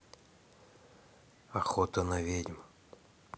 охота на ведьм